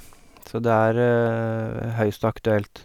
Så det er høyst aktuelt.